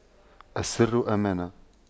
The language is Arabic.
السر أمانة